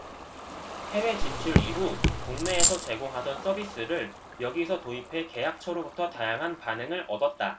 해외 진출 이후 국내에서 제공하던 서비스를 여기서 도입해 계약처로부터 다양한 반응을 얻었다